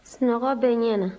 sunɔgɔ bɛ n ɲɛ na